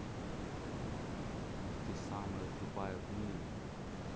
ты самая тупая в мире